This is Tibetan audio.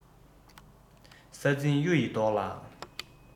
ས འཛིན གཡུ ཡི མདོག ལ